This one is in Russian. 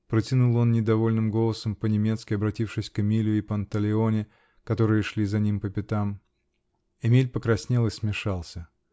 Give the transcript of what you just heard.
-- протянул он недовольным голосом, по-немецки, обратившись к Эмилю и Панталеоне, которые шли за ним по пятам. Эмиль покраснел и смешался.